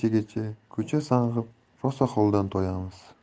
sanqib rosa holdan toyamiz